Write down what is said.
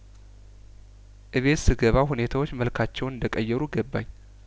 እቤት ስገባ ሁኔታዎች መልካቸውን እንደቀየሩ ገባኝ